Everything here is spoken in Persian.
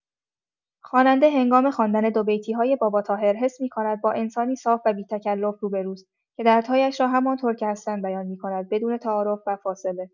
خواننده هنگام خواندن دوبیتی‌های باباطاهر حس می‌کند با انسانی صاف و بی تکلف روبه‌روست که دردهایش را همان‌طور که هستند بیان می‌کند، بدون تعارف و فاصله.